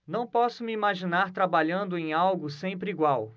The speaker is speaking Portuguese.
não posso me imaginar trabalhando em algo sempre igual